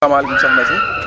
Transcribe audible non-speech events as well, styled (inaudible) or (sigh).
salaamaaleykum (noise) soxna si